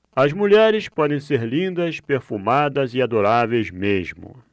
as mulheres podem ser lindas perfumadas e adoráveis mesmo